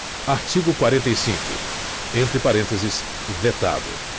artigo quarenta e cinco entre parênteses vetado